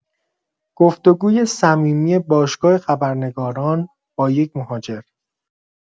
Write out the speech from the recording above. گفتگوی صمیمی باشگاه خبرنگاران با یک مهاجر